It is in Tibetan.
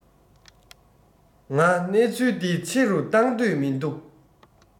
ང གནས ཚུལ འདི ཆེ རུ བཏང འདོད མི འདུག